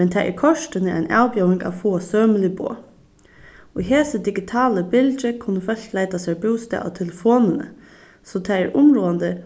men tað er kortini ein avbjóðing at fáa sømilig boð í hesi digitalu bylgju kunnu fólk leita sær bústað á telefonini so tað er umráðandi